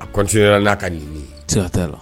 A ko n'a ka titɛ la